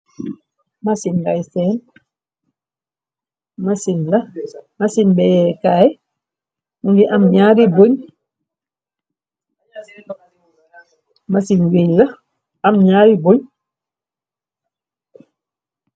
Masin beyekaay ngi masin wiñ la am ñaari buñ.